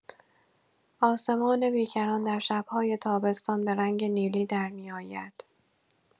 آسمان بی‌کران در شب‌های تابستان به رنگ نیلی درمی‌آید.